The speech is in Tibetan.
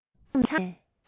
བྱེའུ ཚང ནས